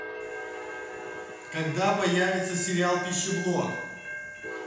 когда появится сериал пищеблок